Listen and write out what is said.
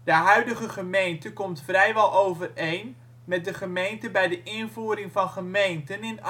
huidige gemeente komt vrijwel overeen met de gemeente bij de invoering van gemeenten in